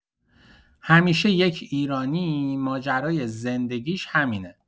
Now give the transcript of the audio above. همیشه یک ایرانی ماجرای زندگیش همینه